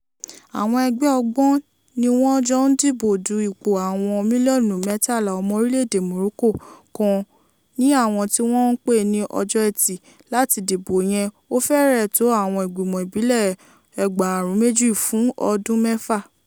Àwọn ẹgbẹ́ ọgbọ́n ni wọ́n jọ ń díje du ìbò àwọn 13 mílíọ̀nù ọmọ orílẹ̀ èdè Morocco kan ní àwọn tí wọ́n pè ní ọjọ́ Ẹtì láti dìbò yẹn ó fẹ́rẹ̀ tó àwọn ìgbìmọ̀ ìbílẹ̀ 20,000 fún ọdún mẹ́fà.